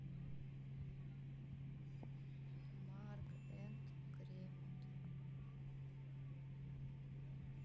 марк энд кремонт